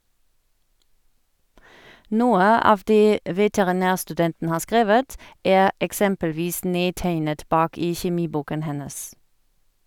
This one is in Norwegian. Noe av det veterinærstudenten har skrevet, er eksempelvis nedtegnet bak i kjemiboken hennes.